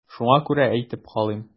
Шуңа күрә әйтеп калыйм.